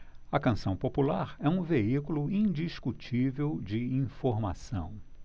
a canção popular é um veículo indiscutível de informação